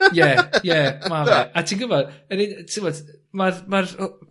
Ie ie ma' fe. A ti gwbod yr u- t'mod ma'r ma'r o-